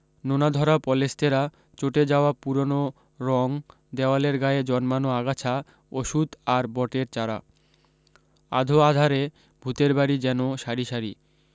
নোনাধরা পলেস্তেরা চটে্যাওয়া পুরোনো রঙ দেওয়ালের গায়ে জন্মানো আগাছা অশত্থ আর বটের চারা আঁধো আঁধারে ভূতেরবাড়ী যেন সারিসারি